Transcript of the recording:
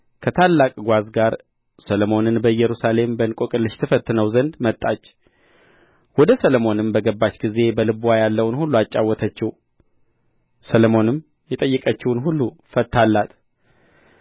ከታላቅ ጓዝ ጋር ሰሎሞንን በኢየሩሳሌም በእንቆቅልሽ ትፈትነው ዘንድ መጣች ወደ ሰሎሞንም በገባች ጊዜ በልብዋ ያለውን ሁሉ አጫወተችው ሰሎሞንም የጠየቀችውን ሁሉ ፈታላት